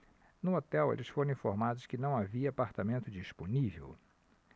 no hotel eles foram informados que não havia apartamento disponível